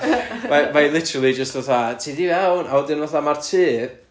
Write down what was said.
mae... mae yn literally jyst fatha "tyd i fewn" a wedyn fatha ma'r tŷ...